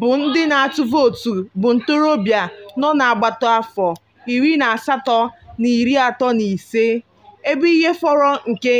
bụ ndị na-atụ vootu bụ ntorobịa nọ n'agbata afọ iri na asatọ na iri atọ na ise, ebe ihe fọrọ nke